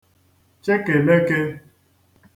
chekèlekē